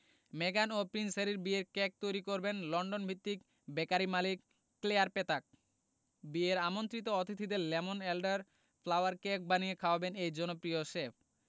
মেগান ও প্রিন্স হ্যারির বিয়ের কেক তৈরি করবেন লন্ডনভিত্তিক বেকারি মালিক ক্লেয়ার পেতাক বিয়ের আমন্ত্রিত অতিথিদের লেমন এলডার ফ্লাওয়ার কেক বানিয়ে খাওয়াবেন এই জনপ্রিয় শেফ